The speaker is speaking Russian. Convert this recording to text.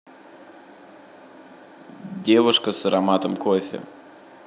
девушка с ароматом кофе